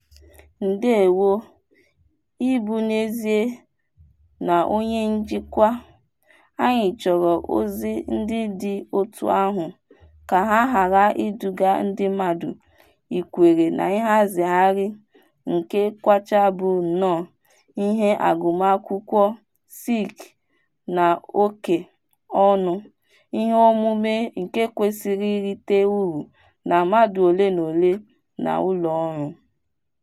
ndeewo, ị bụ n'ezie na onye njikwa, anyị chọrọ ozi ndị dị otú ahụ ka a ghara iduga ndị mmadụ ikwere na nhazigharị nke Kwacha bụ nnọọ ihe agụmakwụkwọ & oké ọnụ iheomume nke kwesịrị irite uru na mmadụ ole na ole na ụlọọrụ.